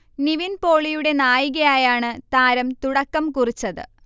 നിവിൻ പോളിയുടെ നായികയായാണ് താരം തുടക്കം കുറിച്ചത്